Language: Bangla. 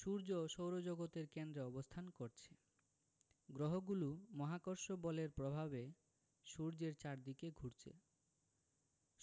সূর্য সৌরজগতের কেন্দ্রে অবস্থান করছে গ্রহগুলো মহাকর্ষ বলের প্রভাবে সূর্যের চারদিকে ঘুরছে